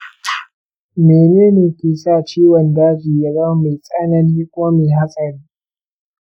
mene ne ke sa ciwon daji ya zama mai tsanani kuma mai hatsari?